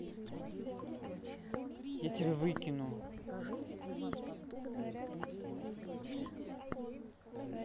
я тебя выкину